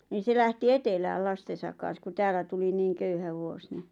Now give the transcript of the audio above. niin se lähti etelään lastensa kanssa kun täällä tuli niin köyhä vuosi niin